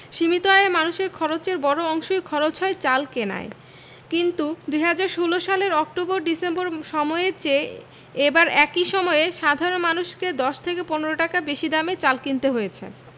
সীমিত আয়ের মানুষের খরচের বড় অংশই খরচ হয় চাল কেনায় কিন্তু ২০১৬ সালের অক্টোবর ডিসেম্বর সময়ের চেয়ে এবার একই সময়ে সাধারণ মানুষকে ১০ থেকে ১৫ টাকা বেশি দামে চাল কিনতে হয়েছে